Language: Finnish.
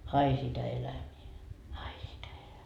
ai sitä elämää ai sitä -